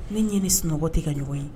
N ɲɛ bɛ sunɔgɔ tɛ ka ɲɔgɔn ye